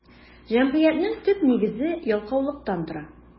Җәмгыятьнең төп нигезе ялкаулыктан тора.